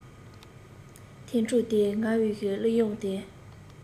ཐན ཕྲུག དེས ངའི གླུ དབྱངས དེ